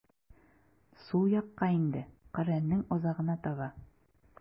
Сул якка инде, Коръәннең азагына таба.